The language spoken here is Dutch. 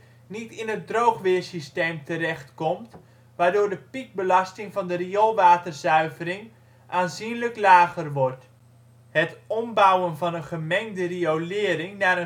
in het droogweersysteem terecht komt waardoor de piekbelasting van de rioolwaterzuivering aanzienlijk lager wordt. Het ombouwen van een gemengde riolering naar